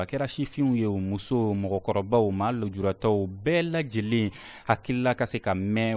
a kɛra sifinw ye musow mɔgɔkɔrɔbaw ma lujuratɔw bɛɛ lajɛlen hakilila ka se ka mɛn